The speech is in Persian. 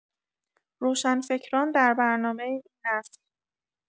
روشنفکران در برنامه این نسل